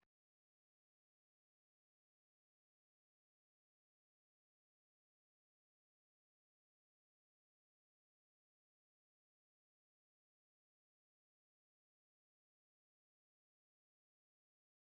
Meeshan waa qalabkii jiimka maqaalka jiimka